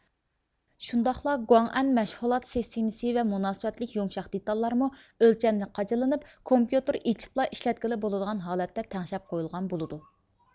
شۇنداقلا گۇاڭەن مەشخۇلات سېستىمىسى ۋە مۇناسىۋەتلىك يۇمشاق دىتاللارمۇ ئۆلچەملىك قاچىلىنىپ كومپيۇتېر ئېچېپلا ئىشلەتكىلى بۇلىدىغان ھالەتتە تەڭشەپ قۇيۇلغان بۇلىدۇ